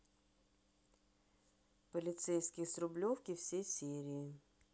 полицейский с рублевки все серии